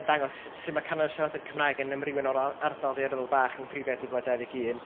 yn dangos sut ma' canran siaradwyr Cymraeg yn amrywio nôl y ardal ddaeryddol bach yng nghyfrifiad dwy fil a dau ddeg un.